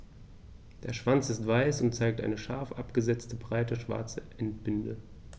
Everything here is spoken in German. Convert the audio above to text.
Der Schwanz ist weiß und zeigt eine scharf abgesetzte, breite schwarze Endbinde.